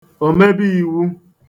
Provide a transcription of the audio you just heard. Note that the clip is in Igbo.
òmebeīwū